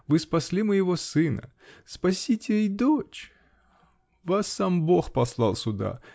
Вы спасли моего сына -- спасите и дочь! Вас сам бог послал сюда.